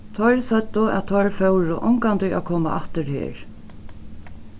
teir søgdu at teir fóru ongantíð at koma aftur her